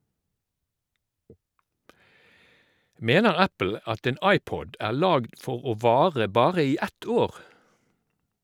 - Mener Apple at en iPod er lagd for å vare bare i ett år?